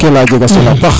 ke leya jega solo a paax